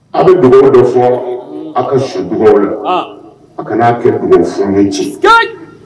A bɛ dugaw dɔ fɔ aw ka su dugaw la a kana n'a kɛ dugu ɲɛ nci